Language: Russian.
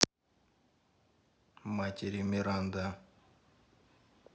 матери миранда